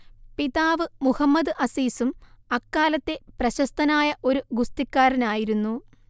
പിതാവ് മുഹമ്മദ് അസീസും അക്കാലത്തെ പ്രശസ്തനായ ഒരു ഗുസ്തിക്കാരനായിരുന്നു